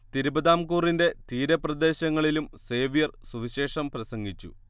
തിരുവിതാംകൂറിന്റെ തീരപ്രദേശങ്ങളിലും സേവ്യർ സുവിശേഷം പ്രസംഗിച്ചു